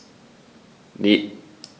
Ne.